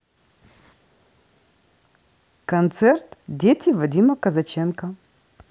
концерт дети вадима казаченко